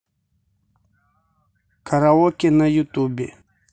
караоке на ютубе